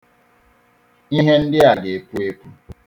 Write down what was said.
Ihe ndị a ga-epu epu.